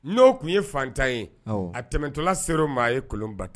No kun ye fantan ye, awɔ a tɛmɛtɔla sere o ma a ye kolon ba